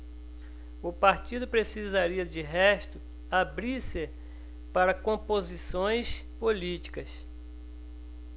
o partido precisaria de resto abrir-se para composições políticas